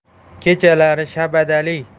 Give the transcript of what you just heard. kechalari shabadali